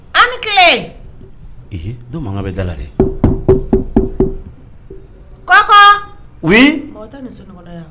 An kelen don makan bɛ dala la dɛ ko u ye mɔgɔ ni